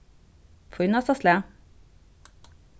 fínasta slag